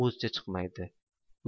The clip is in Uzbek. o'zicha chiqmaydi